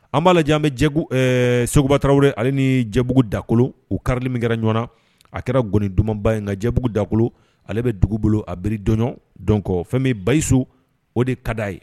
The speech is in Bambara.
An b'ajan bɛ jɛ seguba tarawelew ale ni jɛbugu dakolo u kari min kɛra ɲɔgɔnna a kɛra gɔni dumanba in nka jɛbugu dakolo ale bɛ dugu bolo a biri dɔn dɔn kɔ fɛn bɛ bayiso o de ka di a ye